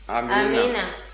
amiina